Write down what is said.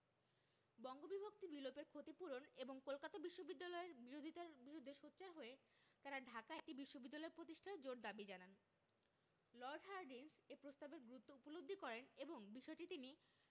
বঙ্গবিভক্তি বিলোপের ক্ষতিপূরণ এবং কলকাতা বিশ্ববিদ্যালয়ের বিরোধিতার বিরুদ্ধে সোচ্চার হয়ে তারা ঢাকায় একটি বিশ্ববিদ্যালয় প্রতিষ্ঠার জোর দাবি জানান লর্ড হার্ডিঞ্জ এ প্রস্তাবের গুরুত্ব উপলব্ধি করেন এবং বিষয়টি তিনি